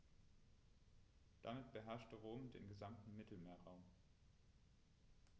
Damit beherrschte Rom den gesamten Mittelmeerraum.